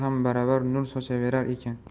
ham baravar nur sochaverar ekan